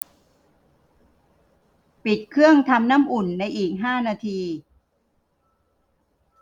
ปิดเครื่องทำน้ำอุ่นในอีกห้านาที